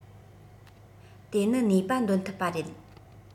དེ ནི ནུས པ འདོན ཐུབ པ རེད